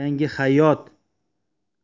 yangi hayot